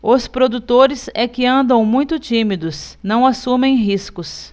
os produtores é que andam muito tímidos não assumem riscos